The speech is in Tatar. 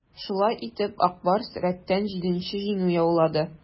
Шулай итеп, "Ак Барс" рәттән җиденче җиңү яулады.